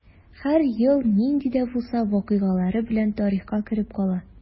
Һәр ел нинди дә булса вакыйгалары белән тарихка кереп кала.